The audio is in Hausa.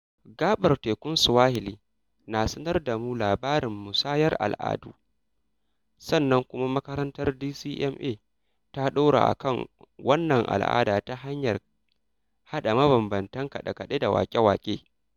Gaɓar tekun Swahili na sanar da mu labarin musayar al'adu, sannan kuma makarantar DCMA ta ɗora a kan wannan al'ada ta hanyar haɗe mabambamtan kaɗe-kaɗe da waƙe-waƙe.